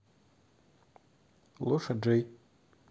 лоша джей